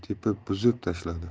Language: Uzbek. tepib buzib tashladi